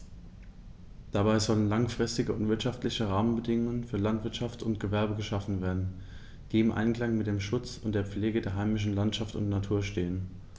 Dabei sollen langfristige und wirtschaftliche Rahmenbedingungen für Landwirtschaft und Gewerbe geschaffen werden, die im Einklang mit dem Schutz und der Pflege der heimischen Landschaft und Natur stehen.